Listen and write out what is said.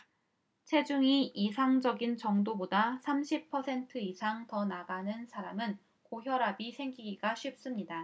체중이 이상적인 정도보다 삼십 퍼센트 이상 더 나가는 사람은 고혈압이 생기기가 쉽습니다